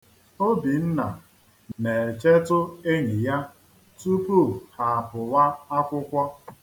Obinna na-echetụ enyi ya tupu ha apụwa akwụkwọ.